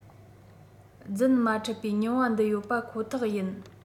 རྫུན མ འཕྲད པའི མྱོང བ འདི ཡོད པ ཁོ ཐག ཡིན